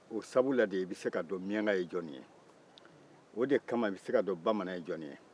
o sabu la de i bɛ se k'a dɔn miyanka ye jɔn ye o de kama i bɛ se k'a dɔn bamanan ye jɔn ye